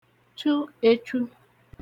chtu ēchtū